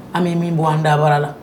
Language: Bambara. An bɛ min bɔ an dabara la.